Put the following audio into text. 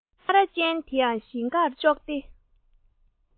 སྨ ར ཅན དེ ཡང ཞིང ཁར ཙོག སྟེ